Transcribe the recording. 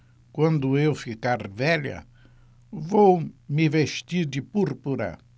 quando eu ficar velha vou me vestir de púrpura